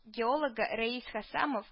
Геологы рәис хәсәмов